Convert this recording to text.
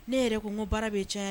Ne yɛrɛ ko:ko baara bɛ caya